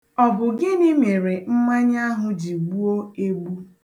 Ọ bụ gịnị mere mmanya ahụ ji gbuo egbu?